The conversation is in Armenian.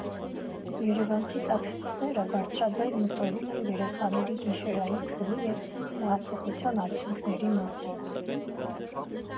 Երևանցի տաքսիստները բարձրաձայն մտորում են երեխաների գիշերային քնի և հեղափոխության արդյունքների մասին։